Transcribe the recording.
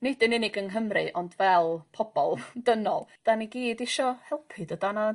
nid yn unig yng Nghymru ond fel pobol dynol 'dan ni gyd isio helpu dydan a